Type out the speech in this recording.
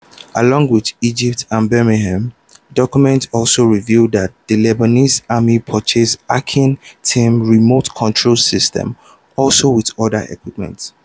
Along with Egypt and Bahrain, documents also revealed that the Lebanese Army purchased Hacking Team's Remote Control System, along with other equipment.